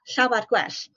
llawrar gwell